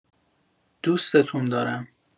دوستتون دارم!